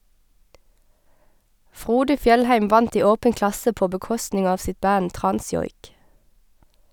Frode Fjellheim vant i Åpen klasse på bekostning av sitt band Transjoik.